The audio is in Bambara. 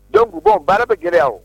Dɔnkuban baara bɛ gɛlɛyaɛrɛ aw